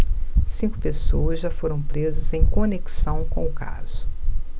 cinco pessoas já foram presas em conexão com o caso